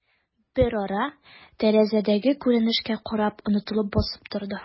Берара, тәрәзәдәге күренешкә карап, онытылып басып торды.